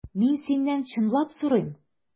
Мин синнән чынлап сорыйм.